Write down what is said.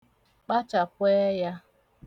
kpachàpụ ẹyā